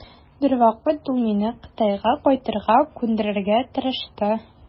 Бер вакыт ул мине Кытайга кайтырга күндерергә тырышты.